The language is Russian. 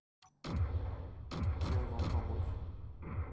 чем вам помочь